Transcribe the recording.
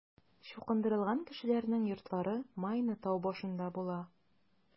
Чукындырылган кешеләрнең йортлары Майна тау башында була.